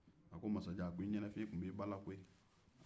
a ko i ɲɛnafi tun b'i la koyi masajan